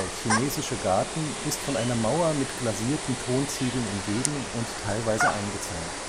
chinesische Garten ist von einer Mauer mit glasierten Tonziegeln umgeben und teilweise eingezäunt